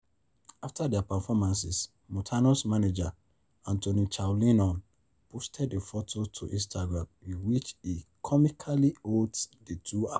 After their performances, Montano’s manager, Anthony Chow Lin On, posted a photo to Instagram in which he comically holds the two apart: